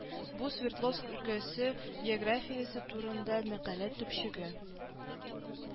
Бу Свердловск өлкәсе географиясе турында мәкалә төпчеге